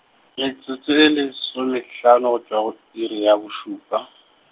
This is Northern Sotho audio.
metsotso e lesomehlano, go tšwa go iri ya bo šupa.